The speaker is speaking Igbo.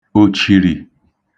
òchìrì